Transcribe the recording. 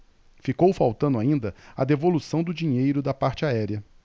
ficou faltando ainda a devolução do dinheiro da parte aérea